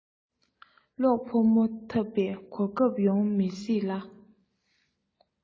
གློག ཕོ མོ འཐབས པའི གོ སྐབས ཡོང མི སྲིད ལ